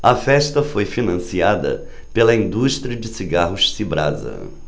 a festa foi financiada pela indústria de cigarros cibrasa